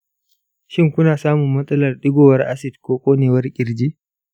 shin kuna samun matsalar ɗigowar acid ko ƙonewar ƙirji?